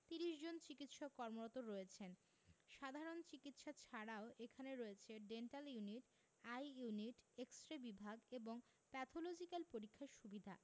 ৩০ জন চিকিৎসক কর্মরত রয়েছেন সাধারণ চিকিৎসা ছাড়াও এখানে রয়েছে dental unit eye unit X ray বিভাগ এবং প্যাথলজিক্যাল পরীক্ষার সুবিধা